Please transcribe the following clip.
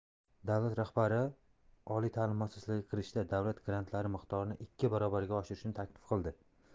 davlat rahbari otmlarga kirishda davlat grantlari miqdorini ikki barobarga oshirishni taklif qildi